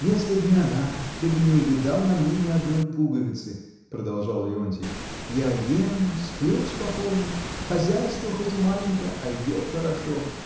— Если б не она, ты бы не увидал на мне ни одной пуговицы, — продолжал Леонтий, — я ем, сплю покойно, хозяйство хоть и маленькое, а идет хорошо